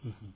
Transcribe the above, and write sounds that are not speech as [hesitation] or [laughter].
[hesitation] [hesitation]